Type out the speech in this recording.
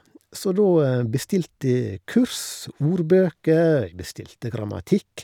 Så da bestilte jeg kurs, ordbøker, jeg bestilte grammatikk.